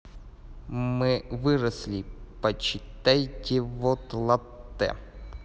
мы выросли почитайтевот латте